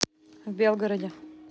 в белгороде